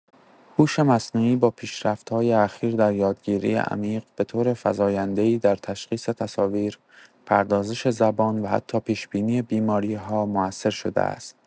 هوش مصنوعی با پیشرفت‌های اخیر در یادگیری عمیق، به‌طور فزاینده‌ای در تشخیص تصاویر، پردازش زبان و حتی پیش‌بینی بیماری‌ها موثر شده است.